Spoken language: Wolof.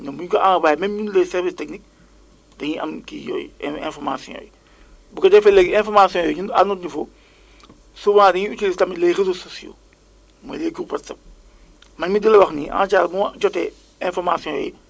ñoom bu ñu ko envoyé même ñun les services techniques dañuy am kii yooyu yenn informations yi bu ko defee léegi information yooyu ñun à notre niveau souvent dañuy utiliser tamit les réseaux sociaux mooy les groupes Whatsapp man mii di la wax nii en général bu ma jotee information yooyu